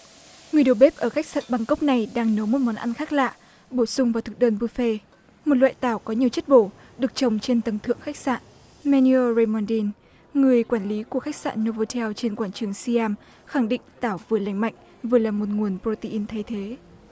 người đầu bếp ở khách sạn băng cốc này đang nấu một món ăn khác lạ bổ sung vào thực đơn búp phê một loại tảo có nhiều chất bổ được trồng trên tầng thượng khách sạn me đi ô ri măn đin người quản lý của khách sạn nâu vờ theo trên quảng trường si em khẳng định tảo vừa lành mạnh vừa là một nguồn pờ rô tên in thay thế